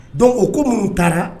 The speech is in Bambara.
Don o ko minnu taara